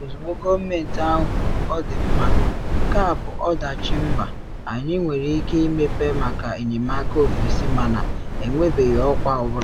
“Ozugbo gọọmentị ahụ kwuru, “Ọ dị mma, nke a bụ ọdachi mba,” anyị nwere ike imepe maka enyemaka ofesi mana enwebeghị ọkwa ọ bụla.”